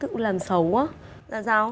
tự làm xấu á là sao